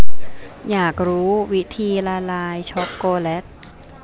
อยากรู้วิธีละลายช็อคโกแลต